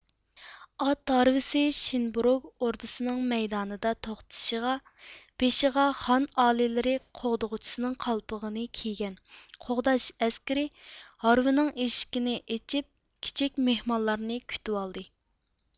ئات ھارۋىسى شىئىنبوروگ ئوردىسىنىڭ مەيدانىدا توختىشىغا بېشىغا خان ئالىيلىرى قوغدىغۇچىسىنىڭ قالپىغىنى كىيگەن قوغداش ئەسكىرى ھارۋىنىڭ ئىشىكىنى ئېچىپ كىچىك مېھمانلارنى كۈتىۋالدى